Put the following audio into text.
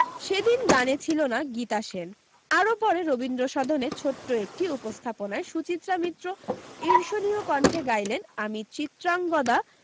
সে দিন গানে ছিলেন গীতা সেন আরও পরে রবীন্দ্রসদনে ছোট্ট একটি উপস্থাপনায় সুচিত্রা মিত্র ঈর্ষণীয় কণ্ঠে গাইলেন আমি চিত্রাঙ্গদা